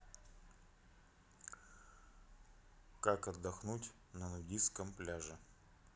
как отдохнуть на нудистском пляже